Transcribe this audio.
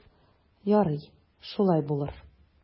Ярый, шулай булыр.